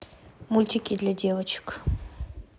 мультики для девочек